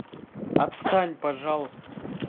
отстань пожалуйста